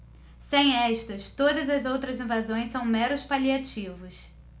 sem estas todas as outras invasões são meros paliativos